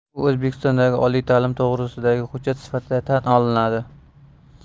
u o'zbekistonda oliy ta'lim to'g'risidagi hujjat sifatida tan olinadi